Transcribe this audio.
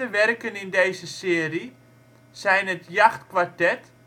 werken in deze serie zijn het Jagd-Quartett